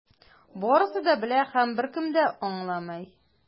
Барысы да белә - һәм беркем дә аңламый.